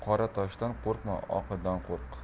toshdan qo'rqma oqidan qo'rq